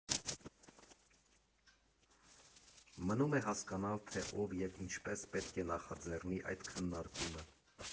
Մնում է հասկանալ, թե ով և ինչպես պետք է նախաձեռնի այդ քննարկումը։